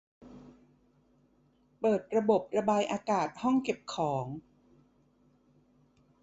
เปิดระบบระบายอากาศห้องเก็บของ